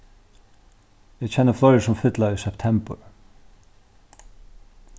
eg kenni fleiri sum fylla í septembur